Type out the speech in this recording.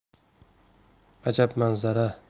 ajab manzara